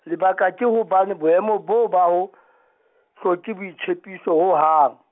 lebaka ke hobane boemo boo ha bo , hloke boitsebiso ho hang.